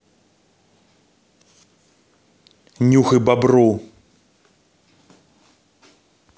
нюхай бобру